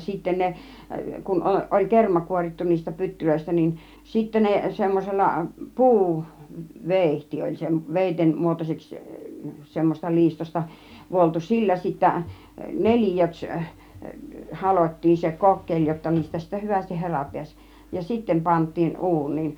sitten ne kun - oli kerma kuorittu niistä pytyistä niin sitten ne semmoisella - puuveitsi oli - veitsen muotoiseksi semmoisesta liistosta vuoltu sillä sitten neliöksi halottiin se kokkeli jotta niistä sitten hyvästi hera pääsi ja sitten pantiin uuniin